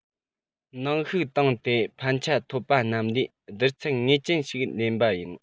ནང བཤུག བཏང སྟེ ཕན ཆ ཐོབ པ རྣམས ལས བསྡུར ཚད ངེས ཅན ཞིག ལེན པ ཡིན